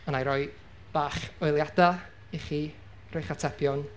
a wna i roi bach o eliadau i chi roi eich atebion.